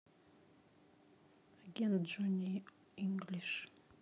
агент джонни инглиш